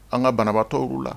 An ka banabaatɔ u la